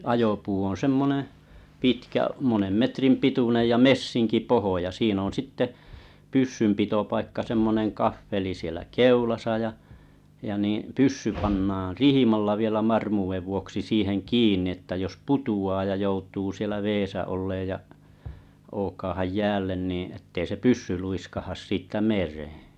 ajopuu on semmoinen pitkä monen metrin pituinen ja messinkipohja siinä on sitten pyssynpitopaikka semmoinen kahveli siellä keulassa ja ja niin pyssy pannaan rihmalla vielä varmuuden vuoksi siihen kiinni että jos putoaa ja joutuu siellä vedessä olemaan ja ookaamaan jäälle niin että ei se pyssy luiskahda siitä mereen